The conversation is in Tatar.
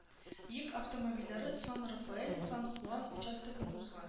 Йөк автомобильләре сан-рафаэль - сан-хуан участогын узган